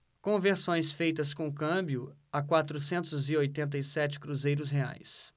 conversões feitas com câmbio a quatrocentos e oitenta e sete cruzeiros reais